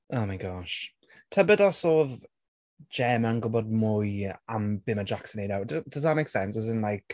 Oh my gosh. Tybed os oedd Gemma'n gwbod mwy am be ma Jacques yn wneud nawr. D- does that make sense, as in like...